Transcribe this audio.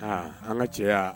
Aa an ka caya